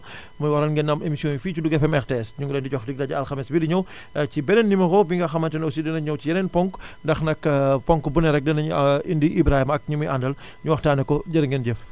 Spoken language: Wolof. mooy waral ngeen di am émissions yi fii ci Louga FM RTS ñu ngi leen di jox did daje alxames bii di ñëw ci beneen numéro bi nga xamante ne aussi dinañu ñëw si yeneen ponk ndax nag ponk bu ne rek danañu indi Ibrahima ak ñi muy àndal ñu waxtaanee ko jërë ngeen jëf